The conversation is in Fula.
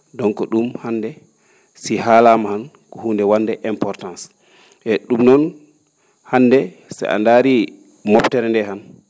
donc ?um hannde si haalaama han ko hunnde wa?nde importance e ?um noon hannde si a ndaari mobtere nde han